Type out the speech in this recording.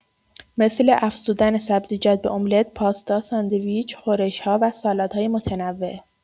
مثل افزودن سبزیجات به املت، پاستا، ساندویچ، خورش‌ها و سالادهای متنوع.